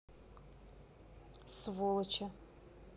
сволочи